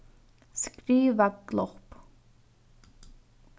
skriva glopp